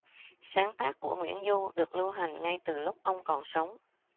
sáng tác của nguyễn du được lưu hành ngay từ lúc ông còn sống